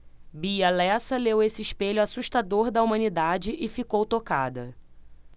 bia lessa leu esse espelho assustador da humanidade e ficou tocada